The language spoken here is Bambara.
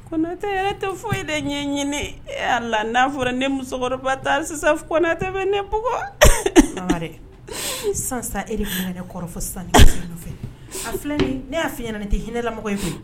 Tɛ e tɛ foyi de ɲɛ ɲini a la n'a fɔra ne musokɔrɔba taara sisantɛ bɛ ne san ere kɔrɔfɔ a filɛ ne y'a fɔ i ɲɛnaɲɛna tɛ hinɛlamɔgɔ ye fɛ